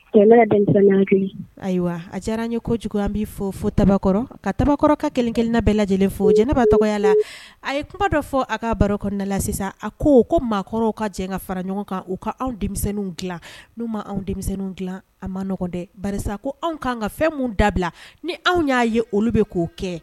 Ayiwa a diyara n ye ko jugu bɛ fɔ fɔ takɔrɔ ka takɔrɔ ka kelen-kelen bɛɛ lajɛlen fo jɛnɛba tɔgɔ la a ye kuma dɔ fɔ a ka baro kɔnɔnada la sisan a ko ko maakɔrɔw ka jɛ ka fara ɲɔgɔn kan u ka anw denmisɛnninw dila n'u ma anw denmisɛnninw dilan a maɔgɔn dɛ karisa ko anw ka kanan ka fɛn min dabila ni anw y'a ye olu bɛ k'o kɛ